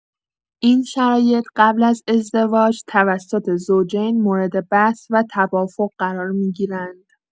این شرایط قبل از ازدواج توسط زوجین مورد بحث و توافق قرار می‌گیرند.